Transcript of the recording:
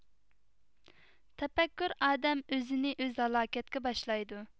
تەكەببۇر ئادەم ئۆزىنى ئۆزى ھالاكەتكە باشلايدۇ